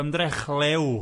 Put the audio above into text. Ymdrech lew.